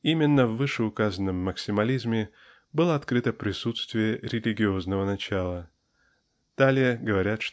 Именно в вышеуказанном максимализме было открыто присутствие религиозного начала. Далее говорят